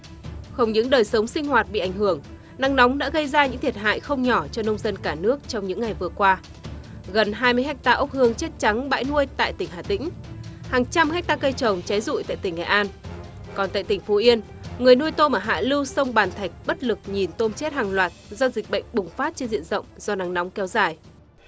không những đời sống sinh hoạt bị ảnh hưởng nắng nóng đã gây ra những thiệt hại không nhỏ cho nông dân cả nước trong những ngày vừa qua gần hai mươi héc ta ốc hương chết trắng bãi nuôi tại tỉnh hà tĩnh hàng trăm héc ta cây trồng cháy rụi tại tỉnh nghệ an còn tại tỉnh phú yên người nuôi tôm ở hạ lưu sông bàn thạch bất lực nhìn tôm chết hàng loạt do dịch bệnh bùng phát trên diện rộng do nắng nóng kéo dài